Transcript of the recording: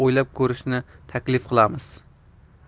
o'ylab ko'rishni taklif qilamiz